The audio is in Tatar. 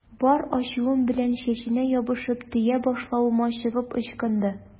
Бар ачуым белән чәченә ябышып, төя башлавыма чыгып ычкынды.